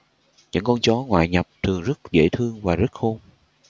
những con chó ngoại nhập thường rất dễ thương và rất khôn